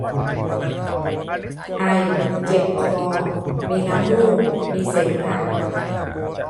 ไอเจ็บคอมีน้ำมูกมีเสมหะ